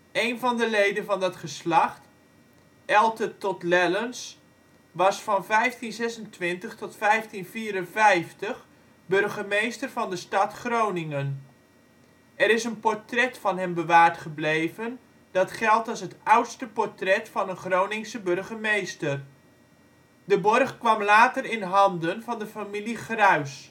Een van de leden van dat geslacht, Eltet to Lellens was van 1526 tot 1554 burgemeester van de stad Groningen. Er is een portret van hem bewaard gebleven dat geldt als het oudste portret van een Groningse burgemeester. De borg kwam later in handen van de familie Gruys